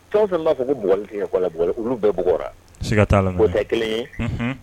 Tɔn fɛn b'a fɔ ko b bɔ tigɛ kɔ olu bɛɛ b si ka taa ni bɔ kelen ye